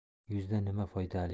yuzda nima foydali